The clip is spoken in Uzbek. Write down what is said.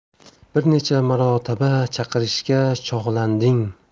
bir necha marotaba chaqirishga chog'landing